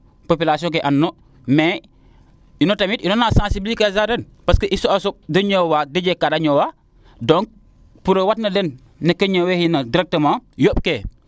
population ke an no mais ino tamit ino na sensibliser a den parce que i soɓa soɓ de ñoowa de njeg kaade ñoowa donc pour o watna den no ke ñowiina directement yoomb kee